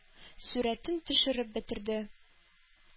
Сурәтен төшереп бетерде...